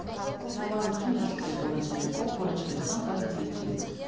Հրավառություն էլ սկսեց օրը ցերեկով, որը չտեսանք, բայց լսեցինք։